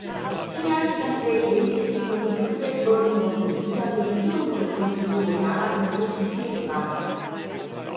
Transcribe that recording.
심야시간대 개인택시 공급이 크게 줄어드는 것은 기사들이 피로 누적 등을 이유로 야간 운행을 기피해서다